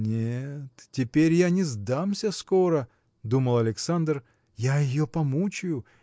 Нет, теперь я не сдамся скоро, – думал Александр, я ее помучаю.